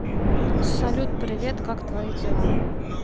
салют привет как твои дела